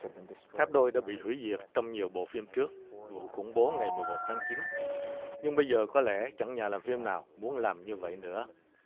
tháp đôi đã bị hủy diệt trong nhiều bộ phim trước vụ khủng bố ngày mười một tháng chín nhưng bây giờ có lẽ chẳng nhà làm phim nào muốn làm như vậy nữa